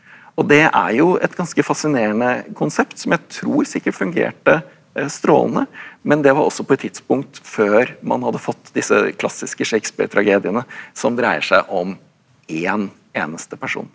og det er jo et ganske fasinerende konsept som jeg tror sikkert fungerte strålende, men det var også på et tidspunkt før man hadde fått disse klassiske Shakespeare-tragediene som dreier seg om én eneste person.